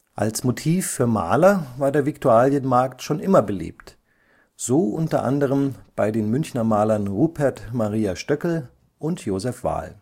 Als Motiv für Maler war der Viktualienmarkt schon immer beliebt, so unter anderem bei den Münchner Malern Rupert Maria Stöckl und Josef Wahl